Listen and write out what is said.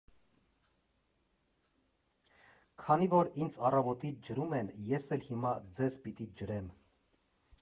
Քանի որ ինձ առավոտից ջրում են, ես էլ հիմա ձեզ պիտի ջրեմ։